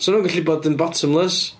'Sen nhw'n gallu bod yn bottomless.